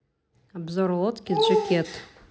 обзор лодки с джекет